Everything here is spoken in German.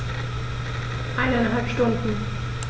Eineinhalb Stunden